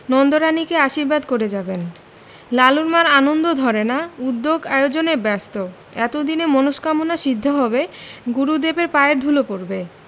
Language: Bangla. নন্দরানীকে আশীর্বাদ করে যাবেন লালুর মা'র আনন্দ ধরে না উদ্যোগ আয়োজনে ব্যস্ত এতদিনে মনস্কামনা সিদ্ধ হবে গুরুদেবের পায়ের ধুলো পড়বে